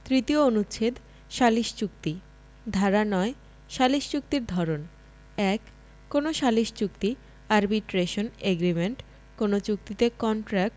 তৃতীয় অনুচ্ছেদ সালিস চুক্তি ধানা ৯ সালিস চুক্তির ধরণঃ ১ কোন সালিস চুক্তি আরবিট্রেশন এগ্রিমেন্ট কোন চুক্তিতে কন্ট্রাক্ট